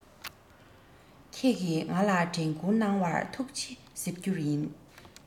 ཁྱེད ཀྱིན ང ལ དྲན ཀུར གནང བར ཐུག ཆེ ཟེར རྒྱུ ཡིན